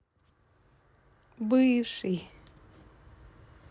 бывший